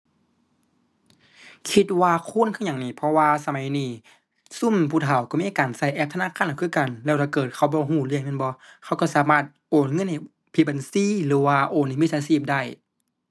คิดว่าควรคือหยังหนิ เพราะว่าสมัยนี้ ซุมผู้เฒ่าก็มีการใช้แอปธนาคารแล้วคือกัน แล้วถ้าเกิดเขาบ่ใช้เรื่องแม่นบ่ เขาใช้สามารถโอนเงินให้ผิดบัญชีหรือว่าโอนให้มิจฉาชีพได้